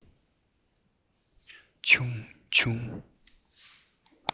ཆུང ཆུང